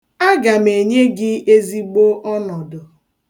Aga m enye gị ezigbo ọnọdụ.